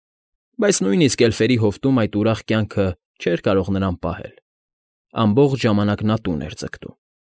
Բայց նույնիսկ էլֆերի հովտում այդ ուրախ կյանքը չէր կարող նրան պահել, ամբողջ ժամանակ նա տուն էր ձգտում։